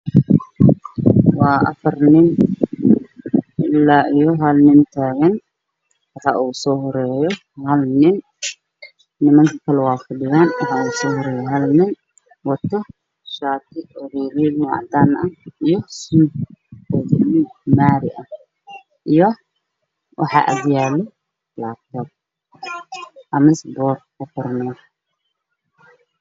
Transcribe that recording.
Waa afar nin ilaa hal nin taagan waxaa ugu soo horeeyo hal nin waxuu wataa shaati riigriigmo cadaan ah iyo suud buluug maari ah, waxaa agyaalo laabtoob.